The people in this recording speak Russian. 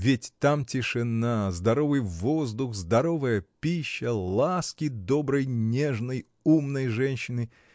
Ведь там тишина, здоровый воздух, здоровая пища, ласки доброй, нежной, умной женщины